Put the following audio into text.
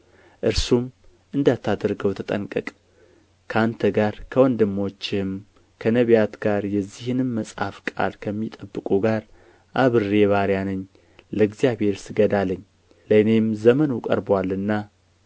እርሱም እንዳታደርገው ተጠንቀቅ ከአንተ ጋር ከወንድሞችህም ከነቢያት ጋር የዚህንም መጽሐፍ ቃል ከሚጠብቁ ጋር አብሬ ባሪያ ነኝ ለእግዚአብሔር ስገድ አለኝ ለእኔም ዘመኑ ቀርቦአልና